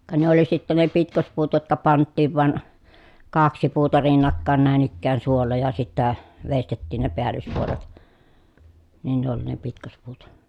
ka ne oli sitten ne pitkospuut jotka pantiin vain kaksi puuta rinnakkain näin ikään suolla ja sitten veistettiin ne päällyspuolet niin ne oli ne pitkospuut